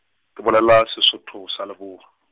ke bolela Sesotho sa Leboa.